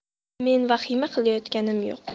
men vahima qilayotganim yo'q